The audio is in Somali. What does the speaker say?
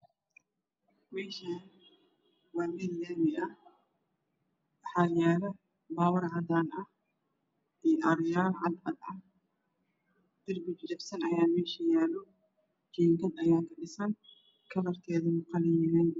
Meeshaan waa meel laami ah waxaa yaalo baabuur cadaan ah iyo ariyaal cadan ah darbi jajabsan ayaa meesha yaalo jiingad ayaa ka dhisan kalarkeedu qalin yahay